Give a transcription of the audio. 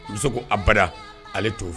Bɛ ko aba ale t'o